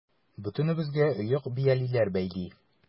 Бөтенебезгә оек-биялиләр бәйли.